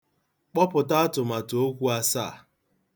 Kpọpụta atụmatụokwu asaa.